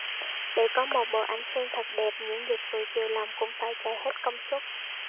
để có một bộ ảnh sen thật đẹp những dịch vụ chiều lòng cũng phải chạy hết công suất